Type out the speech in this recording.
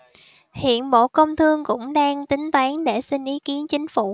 hiện bộ công thương cũng đang tính toán để xin ý kiến chính phủ